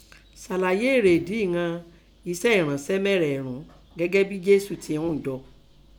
sàlàyé èrèèdí ìghan esẹ́ ẹ̀ransẹ́ mẹ́rẹ̀ẹ̀rún un gẹ́gé bi Jesu tẹ un 'jo.